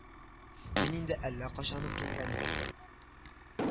Мин инде әллә качан ук килгән идем